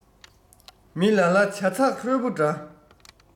མི ལ ལ ཇ ཚག ཧྲུལ པོ འདྲ